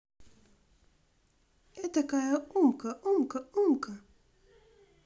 этакая умка умка умка